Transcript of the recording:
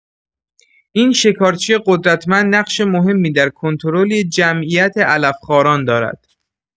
این شکارچی قدرتمند نقش مهمی در کنترل جمعیت علف‌خواران دارد.